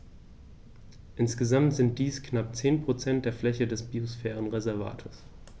Insgesamt sind dies knapp 10 % der Fläche des Biosphärenreservates.